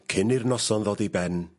Cyn i'r noson ddod i ben